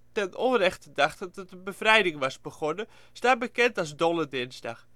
ten onrechte dachten dat de bevrijding was begonnen - staat bekend als Dolle Dinsdag